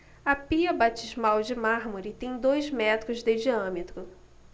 a pia batismal de mármore tem dois metros de diâmetro